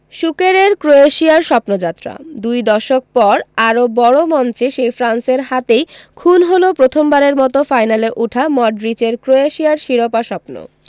সুকেরের ক্রোয়েশিয়ার স্বপ্নযাত্রা দুই দশক পর আরও বড় মঞ্চে সেই ফ্রান্সের হাতেই খুন হল প্রথমবারের মতো ফাইনালে ওঠা মডরিচের ক্রোয়েশিয়ার শিরোপা স্বপ্ন